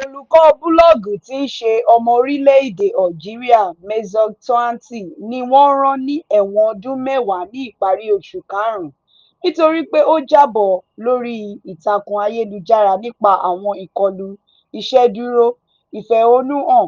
Olùkọ́ búlọ́ọ̀gù tíí ṣe ọmọ orílẹ̀ èdè Algeria Merzouq Touati ni wọ́n rán ní ẹ̀wọ̀n ọdún mẹ́wàá ní ìparí oṣù Karùn-ún nítorí pé ó jábọ̀ lórí ìtàkùn ayélujára nípa àwọn ìkọlù ìṣèdúró, ìfẹ̀hónúhàn